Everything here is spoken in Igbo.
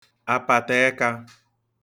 apatẹẹka